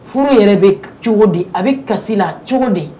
Furu yɛrɛ bɛ cogo di a bɛ kasi la cogo de